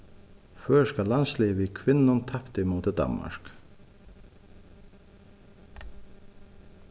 føroyska landsliðið við kvinnum tapti ímóti danmark